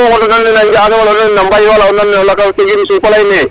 ko xot oxa nand nena Njase, wala nand nena Mbaye wala nen lakas soɓin Supa lay ne